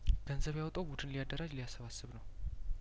ገንዘብ ያወጣው ቡድን ሊያደራጅ ሊያሰባስብ ነው